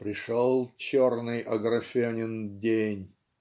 пришел черный Аграфенин день.